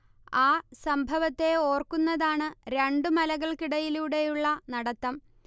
ആ സംഭവത്തെ ഓർക്കുന്നതാണ് രണ്ടു മലകൾക്കിടയിലൂടെയുള്ള നടത്തം